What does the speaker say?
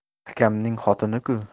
akamning xotiniku